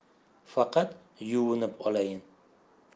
faqat yuvinib olayin